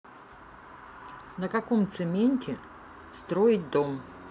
на каком цементе строить дом